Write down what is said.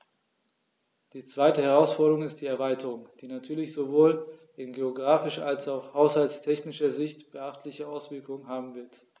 Die zweite Herausforderung ist die Erweiterung, die natürlich sowohl in geographischer als auch haushaltstechnischer Sicht beachtliche Auswirkungen haben wird.